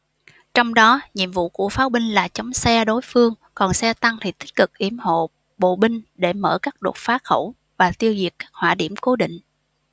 trong đó nhiệm vụ của pháo binh là chống xe đối phương còn xe tăng thì tích cực yểm hộ bộ binh để mở các đột phá khẩu và tiêu diệt các hỏa điểm cố định